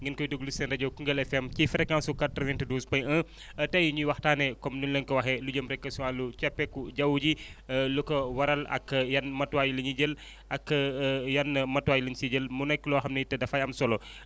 ngeen koy déglu seen rajo Koungheul FM ci fréquence su 92 point 1 tey ñuy waxtaanee comme ni ñu leen ko waxee lu jëù rek si wàllu coppeeku jaww ji lu ko waral ak yan matuwaay la ñuy jël ak yan matuwaay la ñu si jël mu nekk loo xam tamit dafay am solo